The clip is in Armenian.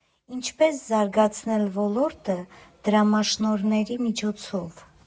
Ինչպե՞ս զարգացնել ոլորտը դրամաշնորհների միջոցով.